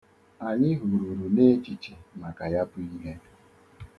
Anyi hururu n'echiche maka ya bụ ihe.